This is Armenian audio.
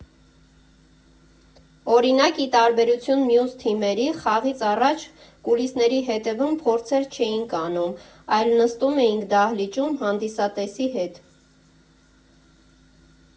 Օրինակ՝ ի տարբերություն մյուս թիմերի՝ խաղից առաջ կուլիսների հետևում փորձեր չէինք անում, այլ նստում էինք դահլիճում՝ հանդիսատեսի հետ։